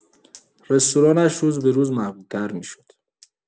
رستورانش روزبه‌روز محبوب‌تر می‌شد.